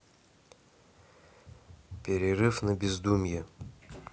перерыв на бездумье